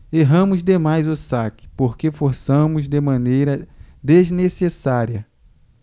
erramos demais o saque porque forçamos de maneira desnecessária